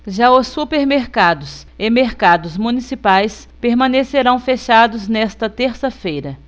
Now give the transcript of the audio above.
já os supermercados e mercados municipais permanecerão fechados nesta terça-feira